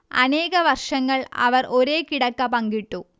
അനേക വർഷങ്ങൾ അവർ ഒരേ കിടക്ക പങ്കിട്ടു